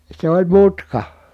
se oli mutka